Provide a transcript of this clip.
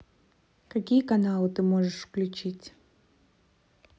какие каналы ты можешь включить